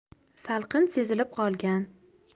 salqin sezilib qolgan